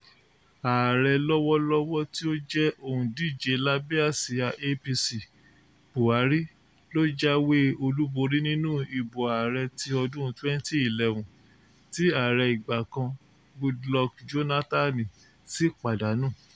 Ààrẹ lọ́wọ́lọ́wọ́ tí ó jẹ́ òǹdíje lábẹ́ àsíá APC, Buhari ló jáwé olúborí nínú ìbò ààrẹ ti ọdún 2011 tí ààrẹ ìgbà kan Goodluck Jónátánì sí pàdánù.